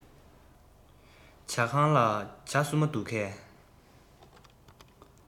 ཟ ཁང ལ ཇ སྲུབས མ འདུག གས